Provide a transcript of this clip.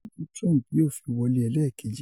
Idi ti Trump yoo fi wọle ẹlẹkeji